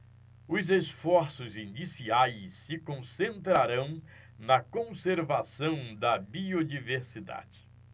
os esforços iniciais se concentrarão na conservação da biodiversidade